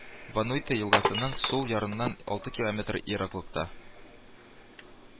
Вануйта елгасының сул ярыннан алты километр ераклыкта